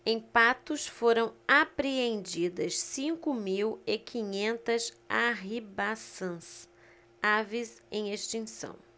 em patos foram apreendidas cinco mil e quinhentas arribaçãs aves em extinção